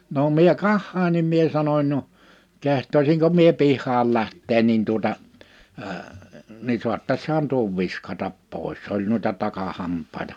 no minä katsoin niin minä sanoin no kehtaisinko minä pihalle lähteä niin tuota - niin saattaisihan tuon viskata pois se oli noita takahampaita